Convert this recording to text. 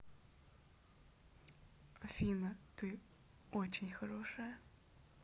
афина ты очень хорошая